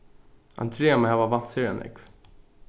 andrea má hava vant sera nógv